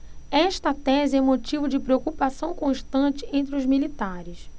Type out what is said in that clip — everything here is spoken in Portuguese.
esta tese é motivo de preocupação constante entre os militares